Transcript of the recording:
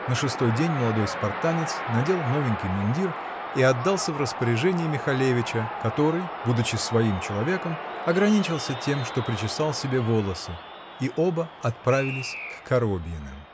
на шестой день молодой спартанец надел новенький мундир и отдался в распоряжение Михалевичу, который, будучи своим человеком, ограничился тем, что причесал себе волосы, -- и оба отправились к Коробьиным.